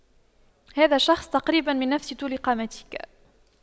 هذا الشخص تقريبا من نفس طول قامتك